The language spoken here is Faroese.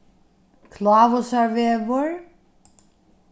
klávusarvegur